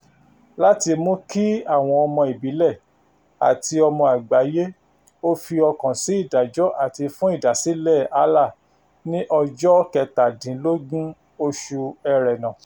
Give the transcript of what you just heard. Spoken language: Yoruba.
Láti mú kí àwọn ọmọ ìbílẹ̀ àti ọmọ àgbáyé ó fi ọkàn sí ìdájọ́ àti fún ìdásílẹ̀ẹ Alaa ní ọjọ́ 17 oṣù Ẹrẹ́nà.